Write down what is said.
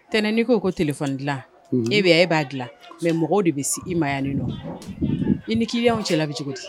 Tɛnɛn' ko ko t dila ne bɛ e b'a dilan mɛ mɔgɔw de bɛ se i mayani nɔ i ni k'i y anw cɛla bi cogo di